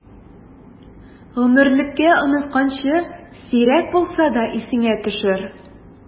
Гомерлеккә онытканчы, сирәк булса да исеңә төшер!